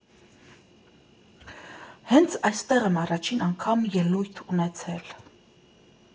Հենց այնտեղ եմ առաջին անգամ ելույթ ունեցել։